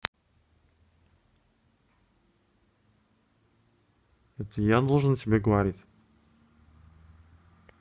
это я должен тебе говорить